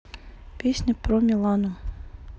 песня про милану